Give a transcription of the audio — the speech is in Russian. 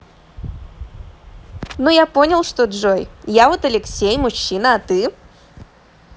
ну я понял что джой я вот алексей мужчина а ты